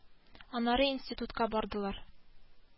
Эт ырылдарга тотынды.